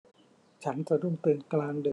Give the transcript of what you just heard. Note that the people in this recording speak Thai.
ฉันสะดุ้งตื่นกลางดึก